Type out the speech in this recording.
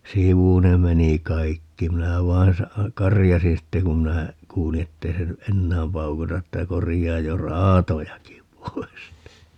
sivu ne meni kaikki minä vain - karjaisin sitten kun minä kuulin että ei se nyt enää paukuta että korjaa jo raatojakin pois